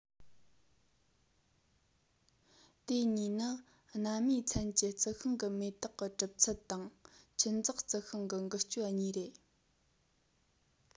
དེ གཉིས ནི སྣ མའི ཚན གྱི རྩི ཤིང གི མེ ཏོག གི གྲུབ ཚུལ དང འཁྱུད འཛེག རྩི ཤིང གི འགུལ སྐྱོད གཉིས རེད